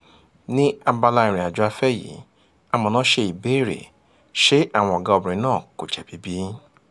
Ní abala ìrìnàjò afẹ́ yìí, amọ̀nà ṣe ìbéèrè: ṣé àwọn ọ̀gá obìnrin náà kò jẹ̀bi bí?